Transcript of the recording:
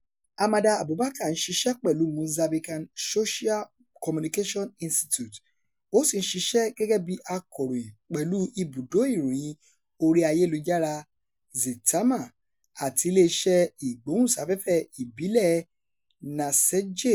Amade Abubacar ń ṣiṣẹ́ pẹ̀lú Mozambican Social Communication Institute, ó sì ń ṣiṣẹ́ gẹ́gẹ́ bí akọ̀ròyìn pẹ̀lú ibùdó ìròyìn orí ayélujára Zitamar àti iléeṣẹ́ ìgbóhùnsáfẹ́fẹ́ ìbílẹ̀ Nacedje.